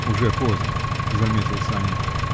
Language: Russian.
-- Уже поздно, -- заметил Санин.